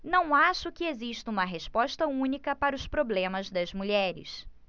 não acho que exista uma resposta única para os problemas das mulheres